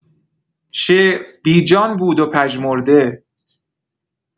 شعر بی‌جان بود و پژمرده!